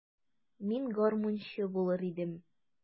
Мин гармунчы булыр идем.